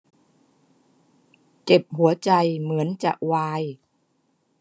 เจ็บหัวใจเหมือนจะวาย